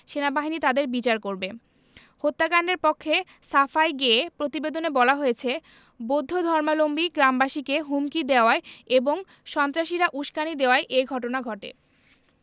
সেনাবাহিনী তাদের বিচার করবে হত্যাকাণ্ডের পক্ষে সাফাই গেয়ে প্রতিবেদনে বলা হয়েছে বৌদ্ধ ধর্মাবলম্বী গ্রামবাসীকে হুমকি দেওয়ায় এবং সন্ত্রাসীরা উসকানি দেওয়ায় এ ঘটনা ঘটে